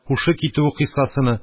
Һушы китү кыйссасыны,